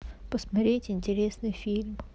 посмотреть интересный фильм